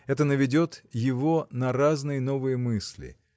это наведет его на разные новые мысли